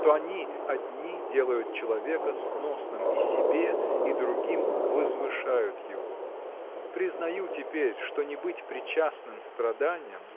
что они одни делают человека сносным и себе и другим возвышают его. Признаю теперь что не быть причастным страданиям